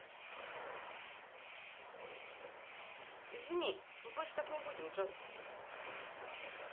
извини мы больше так не будем джой